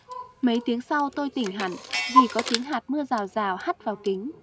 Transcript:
mấy tiếng sau tôi tỉnh hẳn vì có tiếng hạt mưa rào rào hắt vào kính